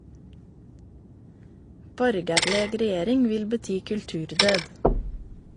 Borgarleg regjering vil bety kulturdød.